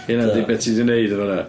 Hynna 'di be ti 'di wneud yn hwnna.